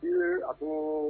Ee a ko